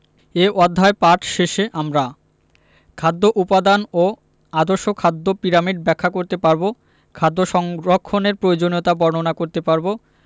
এ অধ্যায় পাঠ শেষে আমরা খাদ্য উপাদান ও আদর্শ খাদ্য পিরামিড ব্যাখ্যা করতে পারব খাদ্য সংরক্ষণের প্রয়োজনীয়তা বর্ণনা করতে পারব